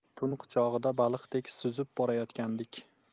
tun quchog'ida baliqdek suzib borayotgandik